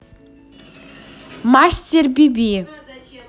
мастер биби